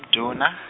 mdvuna.